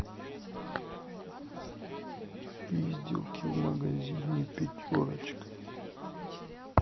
пиздилки в магазине пятерочка